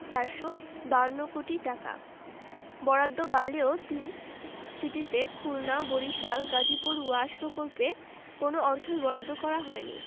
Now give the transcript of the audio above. ৪৫২ কোটি টাকা বরাদ্দ বাড়লেও তিন সিটিতে খুলনা বরিশাল গাজীপুর ওয়াশ প্রকল্পে কোনো অর্থই বরাদ্দ করা হয়নি